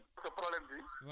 pour mu sax ah d' accord